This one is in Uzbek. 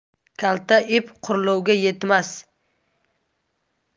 kalta ip qurlovga yetmas